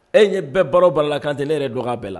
E ɲɛ bɛ baara o baara la Kante, ne e yɛrɛ dɔ k'a bɛɛ la